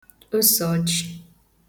osèọjị̄